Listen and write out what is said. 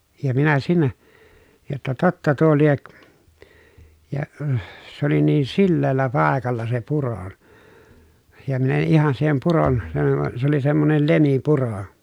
ja minä siinä jotta totta tuo lie ja se oli niin sileällä paikalla se puro ja minä en ihan siihen puron se - se oli semmoinen lemipuro